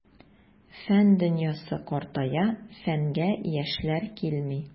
Фән дөньясы картая, фәнгә яшьләр килми.